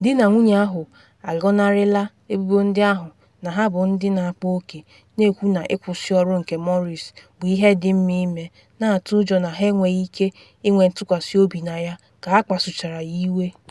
Di na nwunye ahụ agọnarịla ebubo ndị ahụ na ha bụ ndị na akpa oke, na ekwu na ịkwụsị ọrụ nke Maurice bụ ihe dị mma ịme, na atụ ụjọ na ha enweghị ike ịnwe ntụkwasị obi na ya ka ha kpasuchara ya iwe.